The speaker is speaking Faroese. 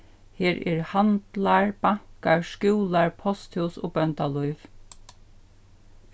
her eru handlar bankar skúlar posthús og bóndalív